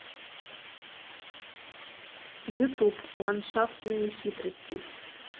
ютуб ландшафтные хитрости